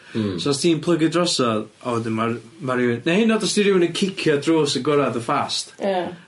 Hmm. So os ti'n plygu drosodd a wedyn ma'r- ma' rywun neu hyd yn o'd os 'di rywun yn cicio drws agorad y' fast... Ia.